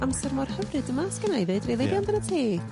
amser mor hyfryd yma sgennai ddeud rili, be' amdanat ti?